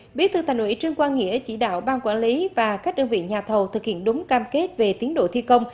bí thư thành ủy trương quang nghĩa chỉ đạo ban quản lý và các đơn vị nhà thầu thực hiện đúng cam kết về tiến độ thi công